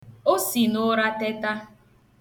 O si n'ụra teta.